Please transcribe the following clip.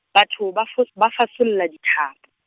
batho ba fo-, ba fasolla dithapo.